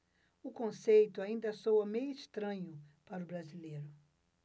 o conceito ainda soa meio estranho para o brasileiro